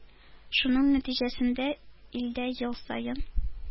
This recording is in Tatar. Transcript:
Шуның нәтиҗәсендә илдә ел саен